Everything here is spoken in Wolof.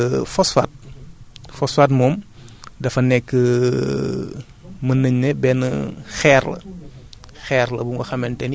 waaw dañ ciy ñëw mais tamit phosphate phosphate moom dafa nekk mën nañ ne benn xeer la